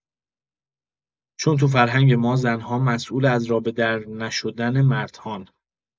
چون تو فرهنگ ما زن‌ها مسئول از راه به در نشدن مردهان.